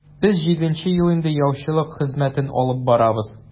Без җиденче ел инде яучылык хезмәтен алып барабыз.